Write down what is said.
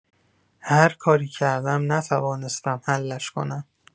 هر کاری کردم نتوانستم حلش کنم.